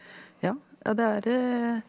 ja ja det er .